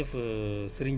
d' accord jërëjëf